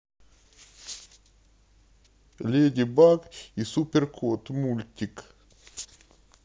леди баг и супер кот мультик